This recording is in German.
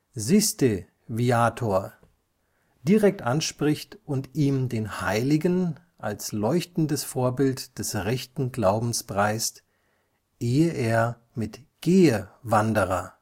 Siste viator!) direkt anspricht und ihm den Heiligen als leuchtendes Vorbild des rechten Glaubens preist, ehe er mit „ Gehe, Wanderer